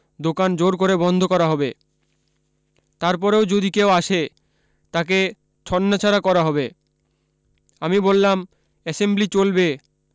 দোকান জোর করে বন্ধ করা হবে তারপরেও যদি কেউ আসে তাকে ছান নাছাড়া করা হবে আমি বললাম এসেম্বলি চলবে